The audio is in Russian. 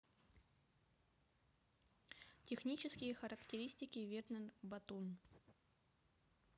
технические характеристики вернер батун